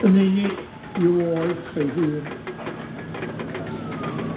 yn unig, i'w oes ei hun.